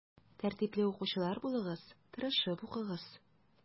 Тәртипле укучылар булыгыз, тырышып укыгыз.